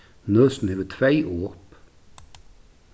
nøsin hevur tvey op